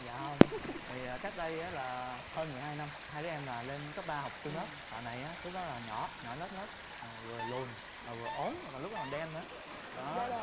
dạ hông thì cách đây á là hơn mười hai năm hai đứa em là lên cấp ba học chung lớp bạn này á lúc đấy là nhỏ nhỏ nhất lớp mà vừa lùn vừa ốm mà lúc đó còn đen nữa đó